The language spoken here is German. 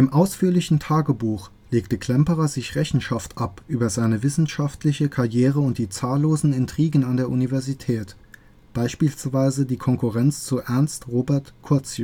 ausführlichen Tagebuch legte Klemperer sich Rechenschaft ab über seine wissenschaftliche Karriere und die zahllosen Intrigen an der Universität, beispielsweise die Konkurrenz zu Ernst Robert Curtius